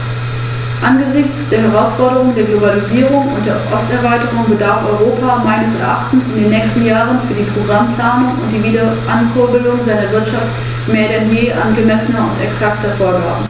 Mir als Österreicher, aber ich glaube, uns allen ist noch die Katastrophe in lebendiger Erinnerung, die im vergangenen Jahr im Tauerntunnel zahlreiche Menschenleben gekostet hat und wo anschließend viele Monate lang mit gigantischem finanziellem Aufwand wiederaufgebaut werden musste, was bei diesem Brand im Tunnel zerstört worden ist.